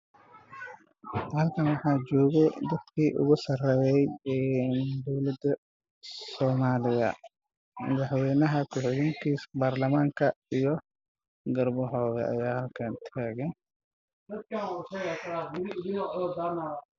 Waa niman oo taagan meel waxaa ku jira madaxweynaha soomaaliya iyo ra-iisul wasaaraha soomaaliya boor ayaa ka dambeeya